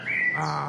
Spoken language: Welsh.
a